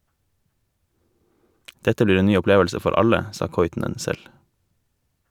Dette blir en ny opplevelse for alle, sa Kuitunen selv.